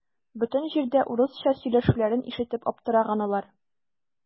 Бөтен җирдә урысча сөйләшүләрен ишетеп аптыраган алар.